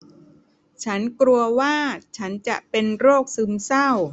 ฉันกลัวว่าฉันจะเป็นโรคซึมเศร้า